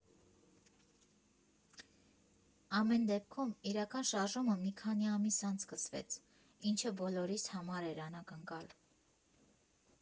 Ամեն դեպքում իրական շարժումը մի քանի ամիս անց սկսվեց, ինչը բոլորիս համար էր անակնկալ»։